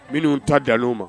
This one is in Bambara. Minnu ta ja ma